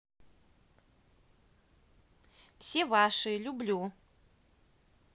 все ваши люблю